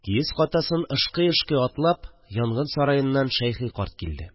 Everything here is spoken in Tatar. Киез катасын ышкый-ышкый атлап янгын сараеннан Шәйхи карт килде